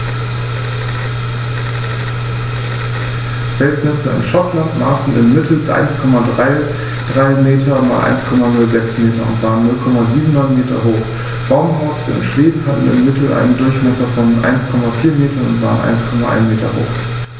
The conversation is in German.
Felsnester in Schottland maßen im Mittel 1,33 m x 1,06 m und waren 0,79 m hoch, Baumhorste in Schweden hatten im Mittel einen Durchmesser von 1,4 m und waren 1,1 m hoch.